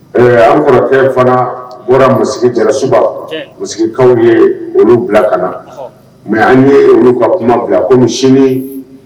An kɔrɔkɛ fana bɔra musi jara jalasuba mukaw ye olu bila ka na mɛ an ye olu ka kuma bila kosinin